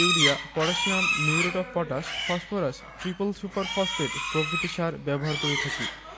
urea potassium muriate of potash phosphorus triple super phosphate প্রভৃতি সার ব্যবহার করে থাকি